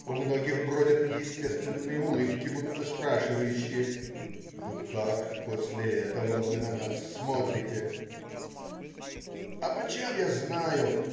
У многих бродят неестественные улыбки, будто спрашивающие: ну, как после этого вы на нас смотрите? "А почем я знаю!